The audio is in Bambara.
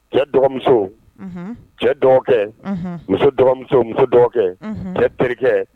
Cɛ dɔgɔmuso unhun cɛ dɔgɔkɛ unhun muso dɔgɔmuso muso dɔgɔkɛ unhun cɛ terikɛ